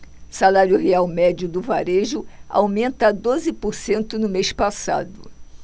salário real médio do varejo aumenta doze por cento no mês passado